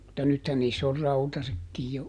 mutta nythän niissä on rautaisetkin jo